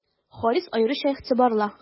Харис аеруча игътибарлы.